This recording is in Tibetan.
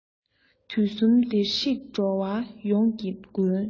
དུས གསུམ བདེར གཤེགས འགྲོ བ ཡོངས ཀྱི མགོན